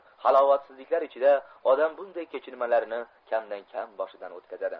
halovatsizliklar ichida odam bunday kechinmalarni kamdan kam boshidan o'tkazadi